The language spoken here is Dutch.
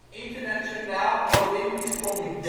Internationaal Olympisch Comité